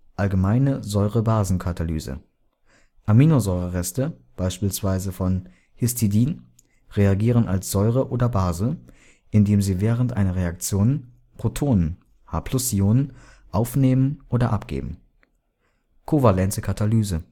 Allgemeine Säure-Basen-Katalyse Aminosäurereste beispielsweise von Histidin reagieren als Säure oder Base, indem sie während einer Reaktion Protonen (H+-Ionen) aufnehmen oder abgeben. Kovalente Katalyse